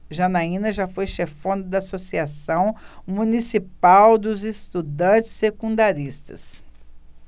janaina foi chefona da ames associação municipal dos estudantes secundaristas